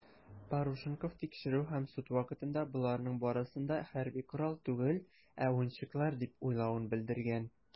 Парушенков тикшерү һәм суд вакытында, боларның барысын да хәрби корал түгел, ә уенчыклар дип уйлавын белдергән.